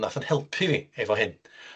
###nath 'yn helpu fi efo hyn.